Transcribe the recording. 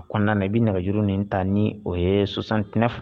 A ko kɔnɔna i bɛ nɛgɛjuru nin ta ni o ye sonsant